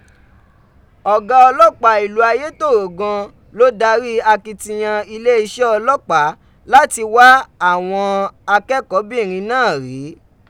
Ọga ọlọpaa ilu Ayetoro gan an lo dari akitiyan ileeṣẹ ọlọpaa lati wa awọn akẹkọnbinrin naa rii.